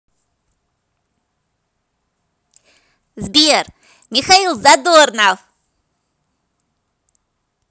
сбер михаил задорнов